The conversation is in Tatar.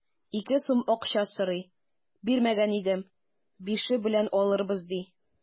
Ике сум акча сорый, бирмәгән идем, бише белән алырбыз, ди.